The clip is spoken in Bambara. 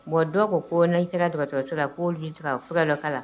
Bon dɔw ko ko n i sera tɔgɔcogo cogo la k' furakɛ dɔ kala la